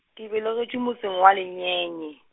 ke belegetšwe motseng wa le nyenye.